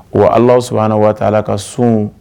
Wa ala sɔnna a waa la ka sun